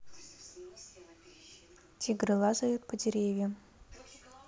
тигры лазают по деревьям